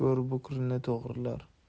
go'r bukrini to'g'rilar